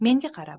menga qara